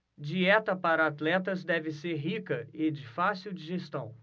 dieta para atletas deve ser rica e de fácil digestão